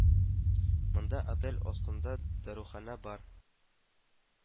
Монда отель астында даруханә бар